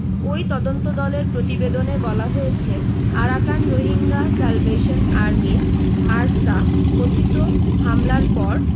ওই তদন্তদলের প্রতিবেদনে বলা হয়েছে আরাকান রোহিঙ্গা স্যালভেশন আর্মির আরসা কথিত হামলার পর